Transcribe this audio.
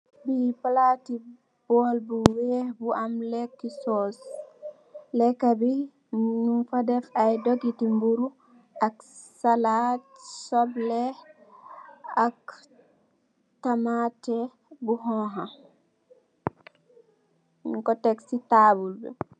Lii plati bowl bu wekh bu am leki sauce, lekah bii njung fa deff aiiy dogiti mburu ak salad, sobleh ak tamateh bu honha, njung kor tek cii taabul bii.